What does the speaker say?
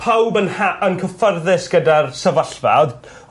pawb yn ha- yn cyffyrddus gyda'r sefyllfa a odd